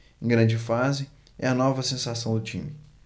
em grande fase é a nova sensação do time